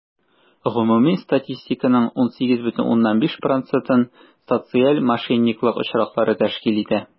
Гомуми статистиканың 18,5 процентын социаль мошенниклык очраклары тәшкил итә.